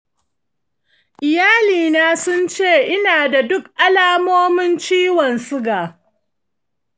iyalina sun ce ina da duka alamomin ciwon suga.